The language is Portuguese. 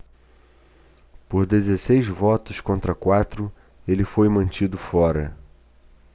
por dezesseis votos contra quatro ele foi mantido fora